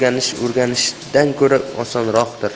o'rganish o'rganishdan ko'ra osonroqdir